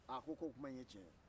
a ko k'o kuma in tiɲɛ ye